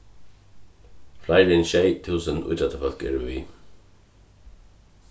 fleiri enn sjey túsund ítróttafólk eru við